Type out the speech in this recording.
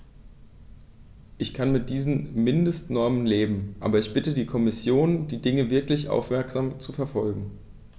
Ich kann mit diesen Mindestnormen leben, aber ich bitte die Kommission, die Dinge wirklich aufmerksam zu verfolgen.